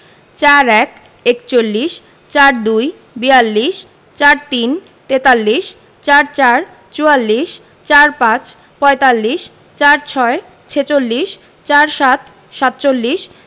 ৪১ - একচল্লিশ ৪২ - বিয়াল্লিশ ৪৩ - তেতাল্লিশ ৪৪ – চুয়াল্লিশ ৪৫ - পঁয়তাল্লিশ ৪৬ - ছেচল্লিশ ৪৭ - সাতচল্লিশ